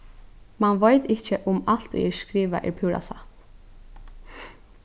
mann veit ikki um alt ið er skrivað er púra satt